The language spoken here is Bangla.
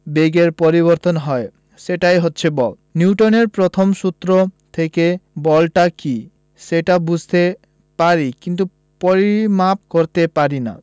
বেগের পরিবর্তন হয় সেটাই হচ্ছে বল নিউটনের প্রথম সূত্র থেকে বলটা কী সেটা বুঝতে পারি কিন্তু পরিমাপ করতে পারি না